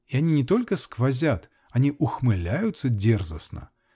И они не только сквозят -- они ухмыляются дерзостно.